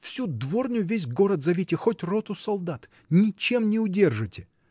Всю дворню, весь город зовите, хоть роту солдат: ничем не удержите!